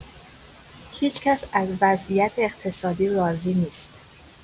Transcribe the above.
هیچ‌کس از وضعیت اقتصادی راضی نیست.